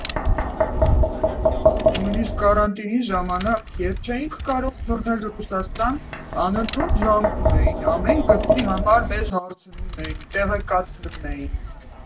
Նույնիսկ կարանտինի ժամանակ, երբ չէինք կարող թռնել Ռուսաստան, անընդհատ զանգում էին, ամեն գծի համար մեզ հարցնում էին, տեղեկացնում էին։